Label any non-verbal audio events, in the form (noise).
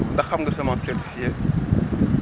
(noise) ndax xam nga semence certifiée (noise)